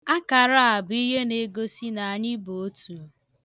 Akara a bụ ihe na-egosi na anyị bụ otu.